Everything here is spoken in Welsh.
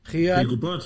Dwi'n gwybod.